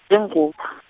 wengub- .